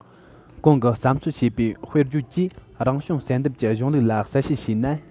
གོང གི བསམ ཚོད བྱས པའི དཔེར བརྗོད གྱིས རང བྱུང བསལ འདེམས ཀྱི གཞུང ལུགས ལ གསལ བཤད བྱས ན